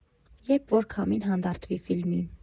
Երբ որ քամին հանդարտվի ֆիլմի։